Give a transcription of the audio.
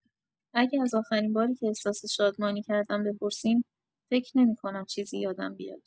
اگه از آخرین باری که احساس شادمانی کردم بپرسین، فکر نمی‌کنم چیزی یادم بیاد.